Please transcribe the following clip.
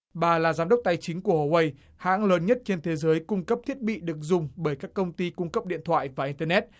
bà là giám đốc tài chính của hoa hu uây hãng lớn nhất trên thế giới cung cấp thiết bị được dùng bởi các công ty cung cấp điện thoại và in tơ nét